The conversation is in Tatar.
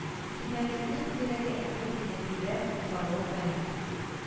Сөймәгәннең йөрәге әкрен генә тибәр, саруы кайнар